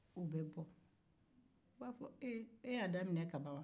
u be bɔ u b'a e y'a daminɛ kaban wa